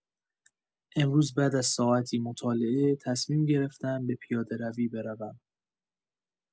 امروز بعد از ساعتی مطالعه، تصمیم گرفتم به پیاده‌روی بروم.